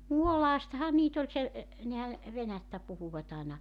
Muolaastahan niitä oli se e nehän venäjää puhuivat aina